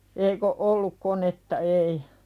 eikä ole ollut konetta ei